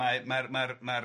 ...mae mae'r mae'r mae'r